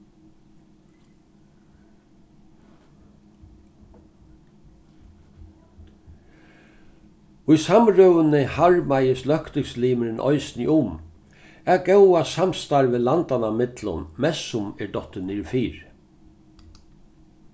í samrøðuni harmaðist løgtingslimurin eisini um at góða samstarvið landanna millum mestsum er dottið niðurfyri